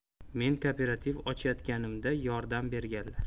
men kooperativ ochayotganimda yordam berganlar